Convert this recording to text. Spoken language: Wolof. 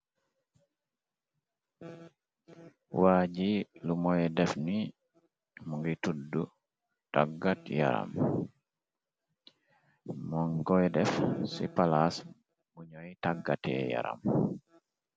Waa ji lu mooy def ni mu ngi tudd tàggat yaram mongoy def ci palaas muñoy tàggatee yaram.